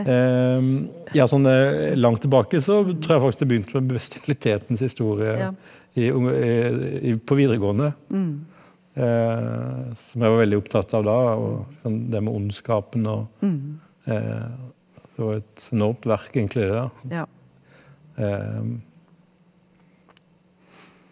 ja sånn langt tilbake så tror jeg faktisk det begynte med Bestialitetens historie i i på videregående som jeg var veldig opptatt av da og sånn det med ondskapen og det var jo et enormt verk egentlig det da .